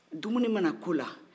dumuni mana kɛ ola